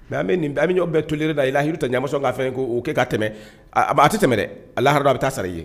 Mɛ bɛ bɛ ɲɔ bɛɛ tolenda da i lahidu ta ɲamasa ka ko'o kɛ ka tɛmɛ a a tɛ tɛmɛɛrɛ ahara a bɛ taa sara i ye